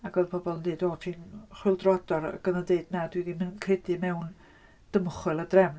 Ac oedd pobl yn dweud "O ti'n chwyldroadwr." Ac oedd o'n deud "na dwi ddim yn credu mewn dymchwel y drefn".